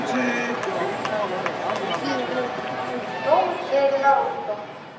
том и джерри на русском